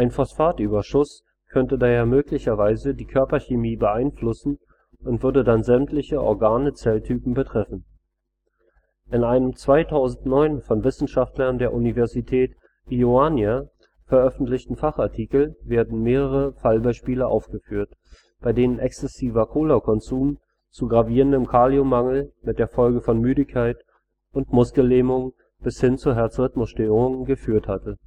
Phosphatüberschuss könnte daher möglicherweise die Körperchemie beeinflussen und würde dann sämtliche Organe/Zelltypen betreffen. In einem 2009 von Wissenschaftlern der Universität von Ioannina veröffentlichten Fachartikel werden mehrere Fallbeispiele aufgeführt, bei denen exzessiver Cola-Konsum zu gravierendem Kaliummangel mit der Folge von Müdigkeit und Muskellähmungen bis hin zu Herzrhythmusstörungen geführt hatte